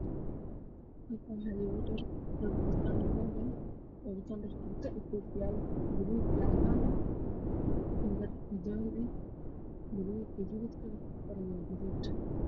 Halkaan waxaa yaalo dhar badan oo wataan niman badan oo wataan dhar tuuto ah iyo koofiyaan baluug iyo cadaan ah iyo dhar cadaan ah baluug gaduud kalarka ku qorane waa gaduud.